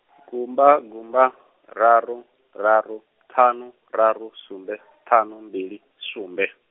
kumba gumba raru raru ṱhanu raru sumbe ṱhanu mbili sumbe.